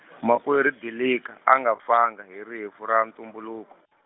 Makwerhu Dilika, a nga fanga hi rifu ra ntumbuluko.